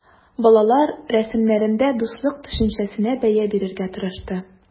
Балалар рәсемнәрендә дуслык төшенчәсенә бәя бирергә тырышты.